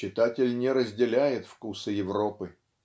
читатель не разделяет вкуса Европы.